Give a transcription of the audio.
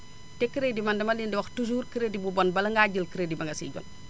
te crédit man dama leen di wax toujours crédit bu bon bala ngaa jël crédit ba nga siy jot